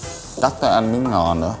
cắt cho anh miếng ngò nữa